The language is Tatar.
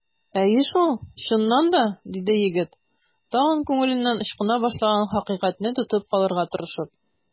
Әйе шул, чыннан да! - диде егет, тагын күңеленнән ычкына башлаган хакыйкатьне тотып калырга тырышып.